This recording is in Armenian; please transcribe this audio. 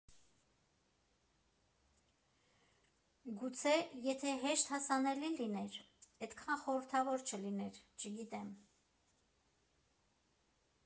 Գուցե, եթե հեշտ հասանելի լիներ, էդքան խորհրդավոր չլիներ, չգիտեմ։